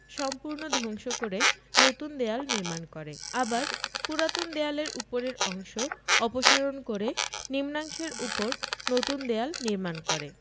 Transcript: সম্পূর্ণ ধ্বংস করে নতুন দেয়াল নির্মাণ করে আবার পুরাতন দেয়ালের উপরের অংশ অপসারণ করে নিম্নাংশের উপর নতুন দেয়াল নির্মাণ করে